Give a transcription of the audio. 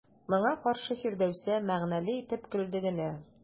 Моңа каршы Фирдәүсә мәгънәле итеп көлде генә.